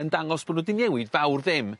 yn dangos bo' n'w 'di newid fawr ddim